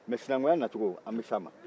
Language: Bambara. nka sinankunya nacogo an bɛ s'a ma